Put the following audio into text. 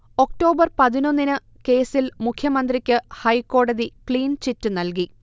October പതിനൊന്നിന് കേസിൽ മുഖ്യമന്ത്രിക്ക് ഹൈക്കോടതി ക്ലീൻചിറ്റ് നൽകി